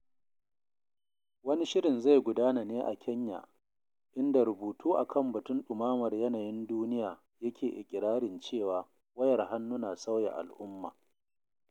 Wani shirin zai gudana ne a Kenya, inda rubutu a kan batun Ɗumamar Yanayin Duniya yake iƙirarin cewa wayar hannu na sauya al'umma.